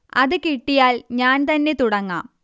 അത് കിട്ടിയാൽ ഞാൻ തന്നെ തുടങ്ങാം